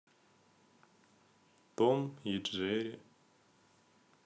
том и джерри